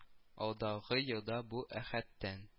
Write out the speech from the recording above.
Алдагы елда бу әһәттән